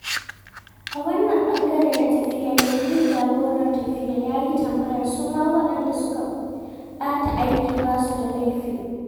A wannan ɓangaren na tafiyar, mai yi jagorar tafiyar ya yi tambaya: su ma waɗanda suka ba ta aiki ba su da laifi?